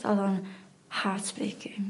...o'dd o'n heart braking.